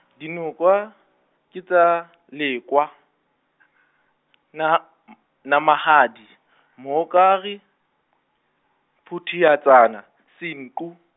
dinoka, ke tsa, Lekoa, Naha- n- Namahadi, Mohokare, Phuthiatsana, Senqu.